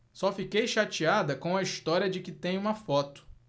só fiquei chateada com a história de que tem uma foto